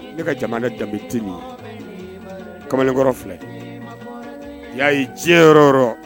Ne ka jamana danbebitinin ye kamalenkɔrɔ filɛ ya'a diɲɛ